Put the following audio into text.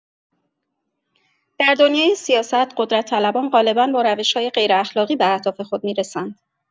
در دنیای سیاست، قدرت‌طلبان غالبا با روش‌های غیراخلاقی به اهداف خود می‌رسند.